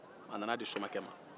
a nana di somakɛ ma